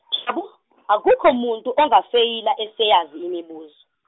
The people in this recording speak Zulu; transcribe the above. Jabu akukho muntu ongafeyila, eseyazi imibuzo.